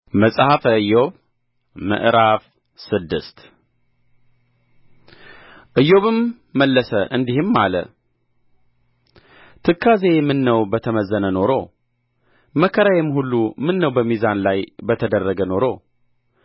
መጽሐፈ ኢዮብ ምዕራፍ ስድስት ኢዮብም መለሰ እንዲህም አለ ትካዜዬ ምነው በተመዘነ ኖሮ መከራዬም ሁሉ ምነው በሚዛን ላይ በተደረገ ኖሮ